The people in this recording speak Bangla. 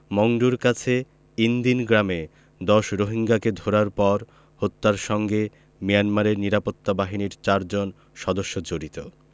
মংডুর কাছে ইনদিন গ্রামে ১০ রোহিঙ্গাকে ধরার পর হত্যার সঙ্গে মিয়ানমারের নিরাপত্তা বাহিনীর চারজন সদস্য জড়িত